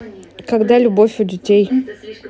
когда любовь у детей